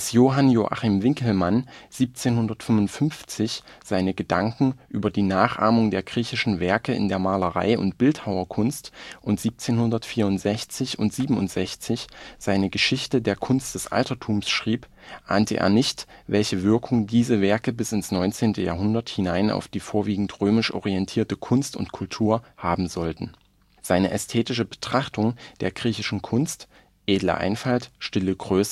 Johann Joachim Winckelmann 1755 seine Gedanken über die „ Nachahmung der griechischen Werke in der Malerei und Bildhauerkunst “und 1764 / 67 seine „ Geschichte der Kunst des Altertums “schrieb, ahnte er nicht, welche Wirkung diese Werke bis ins 19. Jahrhundert hinein auf die vorwiegend römisch orientierte Kunst und Kultur haben sollten. Seine ästhetische Betrachtung der griechischen Kunst (edle Einfalt, stille Größe